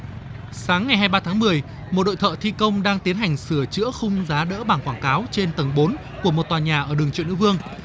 sáng ngày hai ba tháng mười một đội thợ thi công đang tiến hành sửa chữa khung giá đỡ bảng quảng cáo trên tầng bốn của một tòa nhà ở đường triệu nữ vương